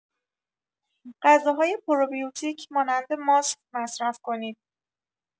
غذاهای پروبیوتیک مانند ماست مصرف کنید.